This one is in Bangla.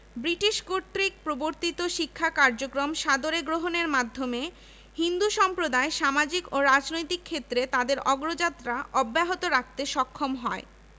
ব্রিটিশ কর্তৃক প্রবর্তিত শিক্ষা কার্যক্রম সাদরে গ্রহণের মাধ্যমে হিন্দু সম্প্রদায় সামাজিক ও রাজনৈতিক ক্ষেত্রে তাদের অগ্রযাত্রা অব্যাহত রাখতে সক্ষম হয়